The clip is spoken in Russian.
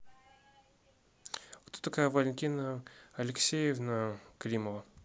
кто такая валентина алексеевна климова